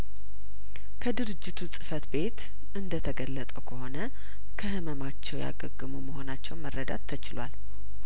ከድርጅቱ ጽፈት ቤት እንደተገለጠው ከሆነ ከህመማቸው ያገገሙ መሆናቸውን መረዳት ተችሏል